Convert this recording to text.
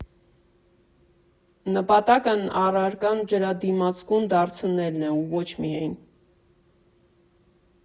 Նպատակն առարկան ջրադիմացկուն դարձնելն է ու ոչ միայն.